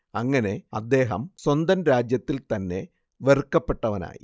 അങ്ങനെ അദ്ദേഹം സ്വന്തം രാജ്യത്തിൽ തന്നെ വെറുക്കപ്പെട്ടവനായി